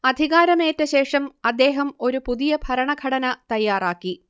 അധികാരമേറ്റശേഷം അദ്ദേഹം ഒരു പുതിയ ഭരണഘടന തയ്യാറാക്കി